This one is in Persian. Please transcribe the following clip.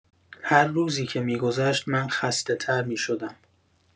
هر روزی که می‌گذشت من خسته‌تر می‌شدم.